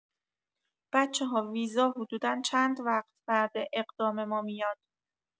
بچه‌ها ویزا حدودا چند وقت بعد اقدام ما میاد؟